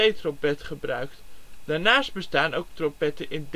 C-trompet gebruikt. Daarnaast bestaan ook trompetten in